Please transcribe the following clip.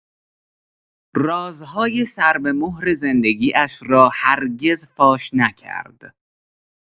رازهای سربه‌مهر زندگی‌اش را هرگز فاش نکرد.